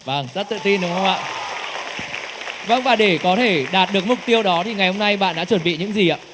vâng rất tự tin đúng không ạ vâng và để có thể đạt được mục tiêu đó thì ngày hôm nay bạn đã chuẩn bị những gì ạ